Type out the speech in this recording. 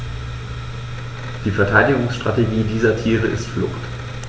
Die Verteidigungsstrategie dieser Tiere ist Flucht.